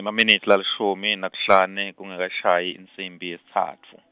emaminitsi lalishumi, nakuhlane, kungakashayi insimbi yesitsatfu.